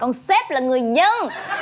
còn sếp là người dưng